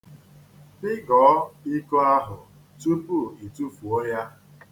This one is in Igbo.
Pịgọọ iko ahụ tupu i tụfuo ya.